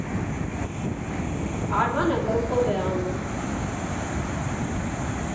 Արմանը գլխով է անում։